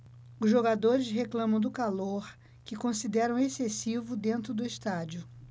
os jogadores reclamam do calor que consideram excessivo dentro do estádio